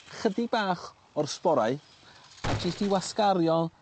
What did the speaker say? chydig bach o'r sborau a jyst 'i wasgaru o